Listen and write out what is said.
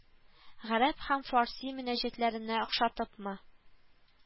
Гарәп һәм фарси мөнәҗәтләренә охшатыпмы